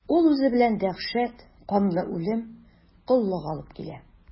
Ул үзе белән дәһшәт, канлы үлем, коллык алып килә.